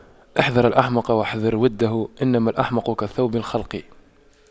احذر الأحمق واحذر وُدَّهُ إنما الأحمق كالثوب الْخَلَق